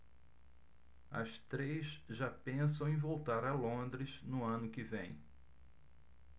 as três já pensam em voltar a londres no ano que vem